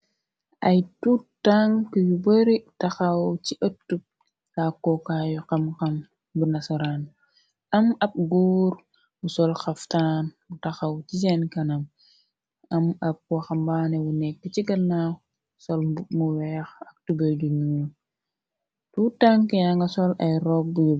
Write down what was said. ay tuutank yu bari taxaw ci ëttub làkookaayu xamxam bu nasoraan am ab góor bu sol xaftaan bu taxaw ci seen kanam am ab waxambaane bu nekk ci galna sol mu weex ak tubey duñuun tutank ya nga sol ay rop buyu